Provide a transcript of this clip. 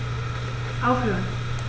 Aufhören.